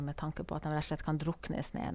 Med tanke på at dem rett og slett kan drukne i snøen.